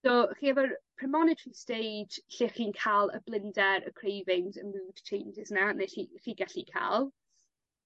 So chi efo'r premonitory stage lle chi'n ca'l y blinder y cravings changes 'na ne' llu- chi gallu ca'l.